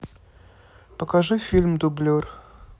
покажи фильм дублер